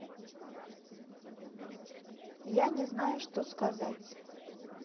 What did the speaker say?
я не знаю что сказать